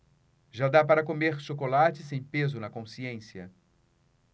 já dá para comer chocolate sem peso na consciência